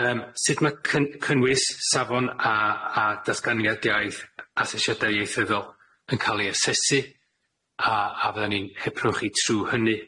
Yym sut ma' cyn- cynnwys safon a a datganiadiaeth asesiada ieithyddol yn ca'l i asesu a a fyddan ni'n hiprwng chi trw hynny.